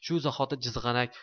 shu zahoti jizg'anak